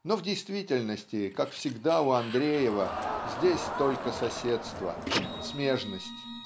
но в действительности, как всегда у Андреева, здесь только соседство смежность